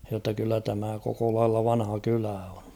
jotta kyllä tämä koko lailla vanha kylä on